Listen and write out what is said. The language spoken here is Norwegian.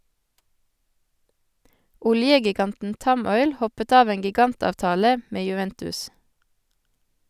Oljegiganten Tamoil hoppet av en gigantavtale med Juventus.